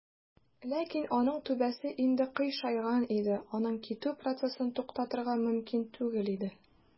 Ләкин аның түбәсе инде "кыйшайган" иде, аның китү процессын туктатырга мөмкин түгел иде.